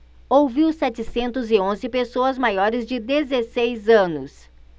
ouviu setecentos e onze pessoas maiores de dezesseis anos